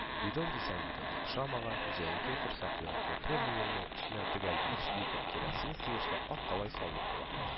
Бидон дисәң, бидонга охшамаган, җәенке корсаклы, кәкре муенлы, эченә төгәл биш литр керосин сыешлы ак калай савыт була